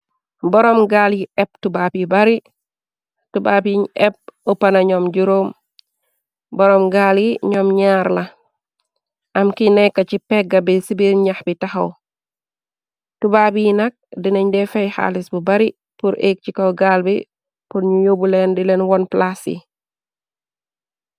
Boroom gaal yi épp tubaab yi bari tubab yiñ epp uppana ñoom juróom boroom gaal yi ñoom ñaar la am ki nekka ci pegga bi sibiir ñax bi taxaw tubaab yi nak dinañ deefey xaalis bu bari pur ek ci ko gaal bi pur ñu yóbuleen dileen woon plaas yi.